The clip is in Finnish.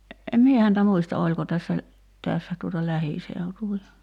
en minä häntä muista oliko tässä tässä tuota lähiseutuvilla